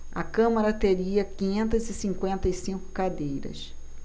a câmara teria quinhentas e cinquenta e cinco cadeiras